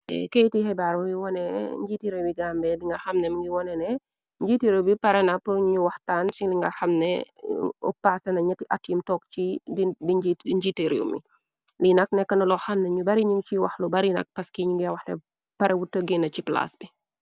Keyti xibar yi wone njiite réew bi gambe bi nga xamne ngi wone ne njiite réew bi paranap ñu wax taan sil nga xamne uppaasena ñëkk at yim tokg ci njiite réew mi liinak nekk na lo xamna ñu bari ñi ci waxlu barinak paskiñ nga waxle parawu tëggeena ci plaas bi.